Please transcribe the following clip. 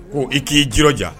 Ɔ i k'i jirija